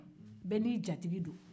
bɛɛ n'i jatigi don